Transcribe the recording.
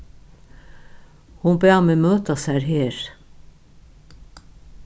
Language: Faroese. hon bað meg møta sær her